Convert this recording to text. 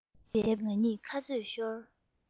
བརྒྱབ པས ང གཉིས ཁ རྩོད ཤོར